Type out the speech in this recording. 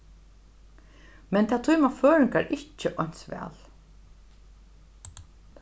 men tað tíma føroyingar ikki eins væl